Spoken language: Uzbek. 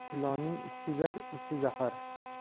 ilonning usti zar ichi zahar